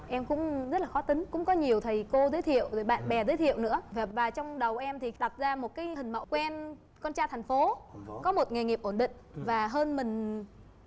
em cũng rất là khó tính cũng có nhiều thầy cô giới thiệu rồi bạn bè giới thiệu nữa và và trong đầu em thì đặt ra một cái hình mẫu quen con trai thành phố có một nghề nghiệp ổn định và hơn mình